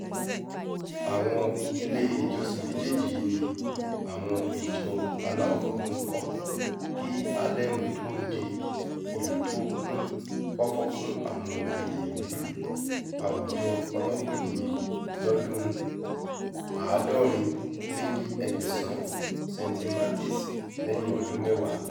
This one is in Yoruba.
Àwọn ilé ìjọsìn méjeejì yìí ni àwọn ìjọ alawọ funfun kọ kí Harlem tó di ìlú tó kún fọfọ fún àwọn eniyan dúdú - Àwùjọ Ọlọpọ Eniyan lọdun 1870, St. Martin, lẹyin ọdún mẹwaa.